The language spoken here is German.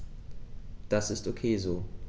Das ist ok so.